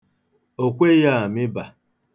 O kweghị amịba.